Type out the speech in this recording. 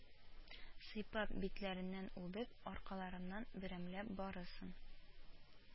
Сыйпап, битләреннән үбеп, аркаларыннан берәмләп барысын